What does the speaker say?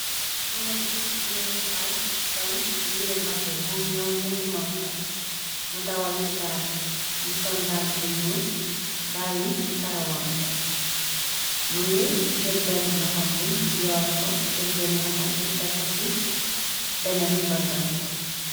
goor gi më ngi taxaw sol yire mbase bum ñaw ñetti morso mu dawal ci baat bi mu sol dàll bu ñu bayyi karawam bi më ngi jël benn loxam bi yoor ko jël benn loxom bi tekku ci beneen mbaggam bi.